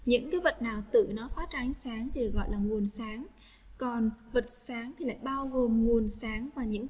những vật nào tự nó phát ra ánh sáng thì gọi là nguồn sáng còn vật sáng để bao gồm nguồn sáng và nhỉ